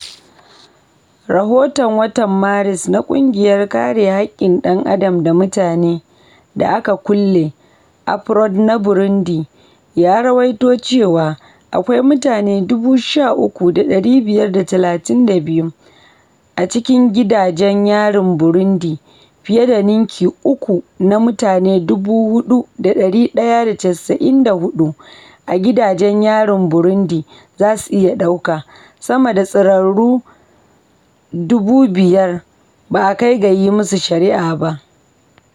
Rahoton watan Maris na Ƙungiyar Kare Haƙƙin Dan Adam da Mutanen Da Aka Kulle (APRODH) na Burundi, ya rawaito cewa akwai mutane 13,532 a cikin gidajen yarin Burundi, fiye da ninki uku na mutane 4,194 da gidajen yarin Burundi zasu iya ɗauka; sama da tsararru 5,000 ba a kai ga yi musu shari’a ba.